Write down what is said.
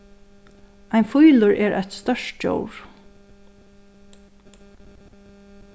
ein fílur er eitt stórt djór